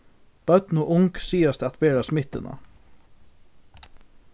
børn og ung sigast at bera smittuna